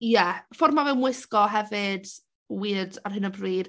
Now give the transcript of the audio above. Ie y ffordd mae fe'n wisgo hefyd. Weird ar hyn o bryd.